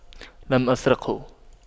لم أسرقه